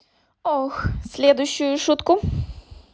oh следующую шутку